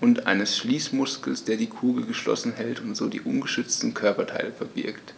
und eines Schließmuskels, der die Kugel geschlossen hält und so die ungeschützten Körperteile verbirgt.